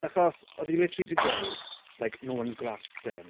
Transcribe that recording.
Achos oedd hi literally 'di gweud like, "no one's grafting".